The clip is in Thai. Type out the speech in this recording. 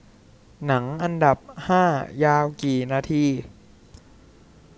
หนังอันดับห้ายาวกี่นาที